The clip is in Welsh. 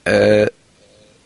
yy